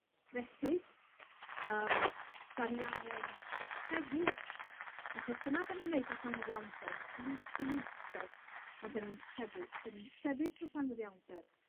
felly yym 'dan ni angen sefyll achos dyna 'dan ni'n neud dros angyfiawnder dim i- dim eistedd ond 'dan ni'n sefyll 'dan ni'n sefyll dros angyfiawnder